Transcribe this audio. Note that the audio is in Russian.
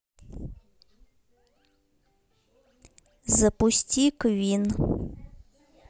запусти квин